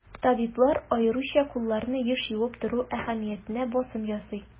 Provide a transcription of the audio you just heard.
Табиблар аеруча кулларны еш юып тору әһәмиятенә басым ясый.